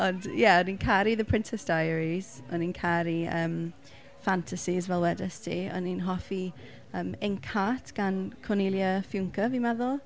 Ond ie o'n i'n caru The Princess Diaries. O'n i'n caru yym fantasies fel wedaist ti. O'n i'n hoffi yym Inkheart gan Cornelia Funke, fi'n meddwl.